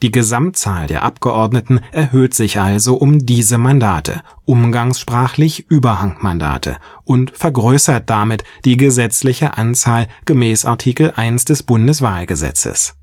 Gesamtzahl der Abgeordneten erhöht sich also um diese Mandate, umgangssprachlich Überhangmandate, und vergrößert damit die gesetzliche Anzahl gemäß § 1 des Bundeswahlgesetzes